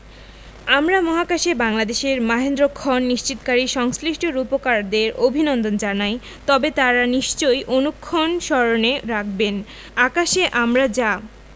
আমরা মহাকাশে বাংলাদেশের মাহেন্দ্রক্ষণ নিশ্চিতকারী সংশ্লিষ্ট রূপকারদের অভিনন্দন জানাই তবে তাঁরা নিশ্চয় অনুক্ষণ স্মরণে রাখবেন আকাশে আমরা যা